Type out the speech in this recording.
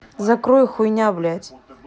закрой хуйня блядь